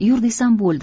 yur desam bo'ldi